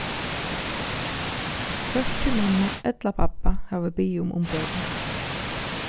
hvørki mamma ella babba hava biðið um umbering